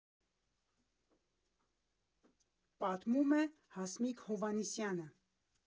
Պատմում է Հասմիկ Հովհաննիսյանը։